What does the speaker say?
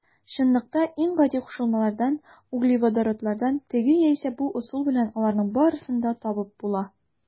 Чынлыкта иң гади кушылмалардан - углеводородлардан теге яисә бу ысул белән аларның барысын да табып була.